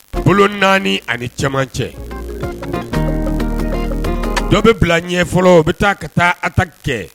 Bolo naani ani cɛmancɛ, dɔ bɛ bila ɲɛ fɔlɔ u bɛ taa ka taa attaque kɛ